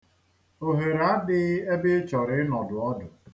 Ohere adịghị ebe ị chọrọ ịnọdụ ọdụ.